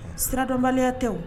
Siradɔnbaliya tɛ o